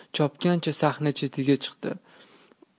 chopgancha sahna chetiga chiqdi